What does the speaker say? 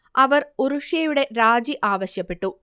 അവർ ഉറുഷ്യയുടെ രാജി ആവശ്യപ്പെട്ടു